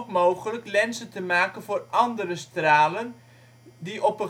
mogelijk lenzen te maken voor andere " stralen " die op